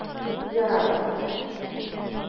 Ярар, Азат.